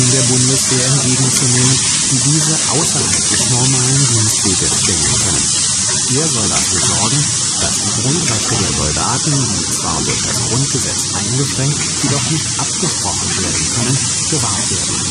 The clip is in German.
der Bundeswehr entgegen zunehmen, die diese außerhalb des normalen Dienstweges stellen können. Er soll dafür sorgen, dass die Grundrechte der Soldaten, die zwar durch das Grundgesetz eingeschränkt, jedoch nicht abgesprochen werden können, gewahrt werden